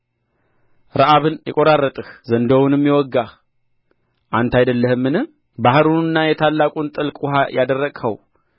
ረዓብን የቈራረጥህ ዘንዶውንም የወጋህ አንተ አይደለህምን ባሕሩንና የታላቁን ጥልቅ ውኃ ያደረቅኸው